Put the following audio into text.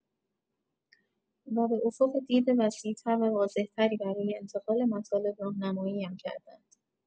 و به افق دید وسیع‌تر و واضح‌تری برای انتقال مطالب راهنمایی‌ام کردند.